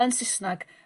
yn Sysnag.